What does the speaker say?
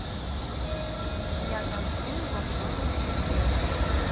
я танцую во вторник в четверг